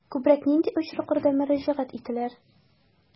Күбрәк нинди очракларда мөрәҗәгать итәләр?